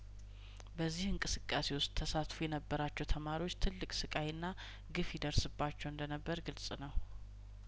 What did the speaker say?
በዚህ እንቅስቃሴ ውስጥ ተሳትፎ የነበራቸው ተማሪዎች ትልቅ ስቃይና ግፍ ይደርስባቸው እንደነበር ግልጽ ነው